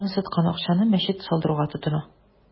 Аны саткан акчаны мәчет салдыруга тотына.